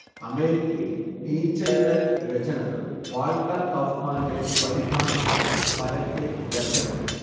അമേരിക്കയിൽ നീച്ചയുടെ രചനകൾ വാൾട്ടർ കൗഫ്മാന്റെ പരിഭാഷയിൽ പരക്കെ ലഭ്യമായി